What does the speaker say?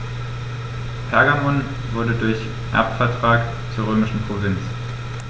Pergamon wurde durch Erbvertrag zur römischen Provinz.